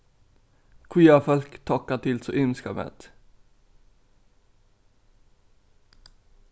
hví hava fólk tokka til so ymiskan mat